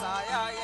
Saya